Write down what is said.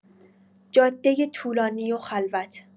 جاده طولانی و خلوت